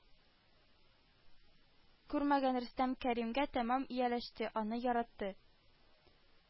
Күрмәгән рөстәм кәримгә тәмам ияләште, аны яратты